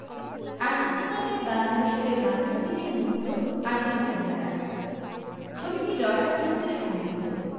Argentina নিয়ে বাংলাদেশিদের মাতামাতি নিয়ে মুগ্ধ আর্জেন্টাইনরা ছবিটি রয়টার্স হতে সংগৃহীত